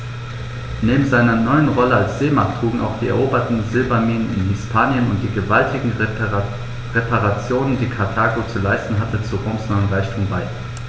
Neben seiner neuen Rolle als Seemacht trugen auch die eroberten Silberminen in Hispanien und die gewaltigen Reparationen, die Karthago zu leisten hatte, zu Roms neuem Reichtum bei.